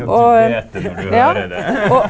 ja du veit det når du høyrer det.